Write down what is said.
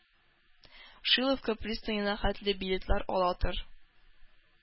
Шиловка пристанена хәтле билетлар ала тор.